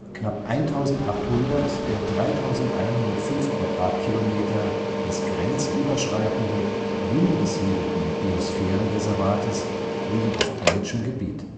Knapp 1800 der 3105 km² des grenzüberschreitenden, dünn besiedelten Biosphärenreservates liegen auf deutschem Gebiet